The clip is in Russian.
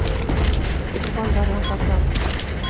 курбан байрам когда